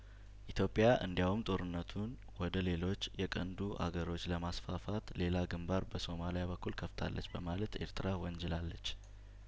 ኢትዮጵያ እንዲያውም ጦርነቱን ወደ ሌሎች የቀንዱ አገሮች ለማስፋፋት ሌላ ግንባር በሶማሊያ በኩል ከፍታለች በማለት ኤርትራ ወንጅላለች